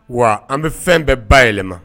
Wa an bɛ fɛn bɛɛ ba yɛlɛma.